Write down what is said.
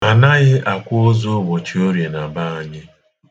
Anaghị akwa ozu ụbọchị orie na be anyị.